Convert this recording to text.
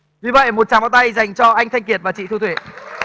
vì vậy một tràng pháo tay dành cho anh thanh kiệt và chị thu thủy